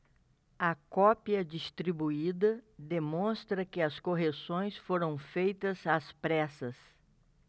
a cópia distribuída demonstra que as correções foram feitas às pressas